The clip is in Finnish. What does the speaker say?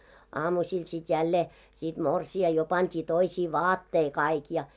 aamusilla sitten jälleen sitten morsian jo pantiin toisiin vaatteisiin kaikki ja